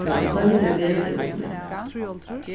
fleiri vesirullur